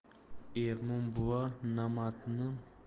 ermon buva namatni